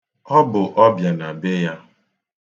Ọ bụ ọbịa na be ya.